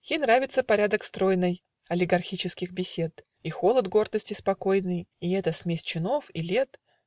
Ей нравится порядок стройный Олигархических бесед, И холод гордости спокойной, И эта смесь чинов и лет.